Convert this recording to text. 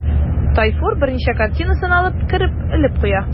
Тайфур берничә картинасын алып кереп элеп куя.